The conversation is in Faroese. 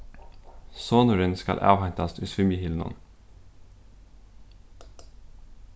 sonurin skal avheintast í svimjihylinum